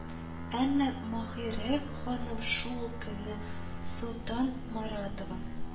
Әмма Маһирә ханым шул ук көнне Солтанморатова